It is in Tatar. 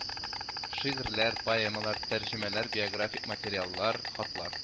Шигырьләр, поэмалар, тәрҗемәләре биографик материаллар, хатлар